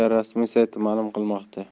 rasmiy sayti ma'lum qilmoqda